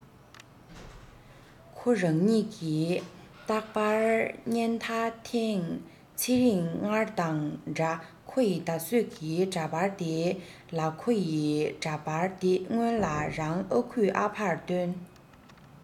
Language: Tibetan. ཁོ རང ཉིད ཀྱི རྟག པར བརྙན ད ཐེངས ཚེ རིང སྔར དང འདྲ ཁོ ཡི ད གཟོད ཀྱི འདྲ པར དེའི ལག ཁོ ཡི འདྲ པར དེ སྔོན ལ རང ཨ ཁུས ཨ ཕར སྟོན